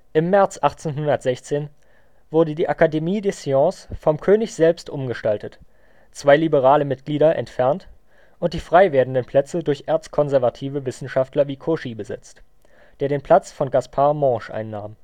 Im März 1816 wurde die Académie des sciences vom König selbst umgestaltet, zwei liberale Mitglieder entfernt und die freiwerdenden Plätze durch erzkonservative Wissenschaftler wie Cauchy besetzt, der den Platz von Gaspard Monge einnahm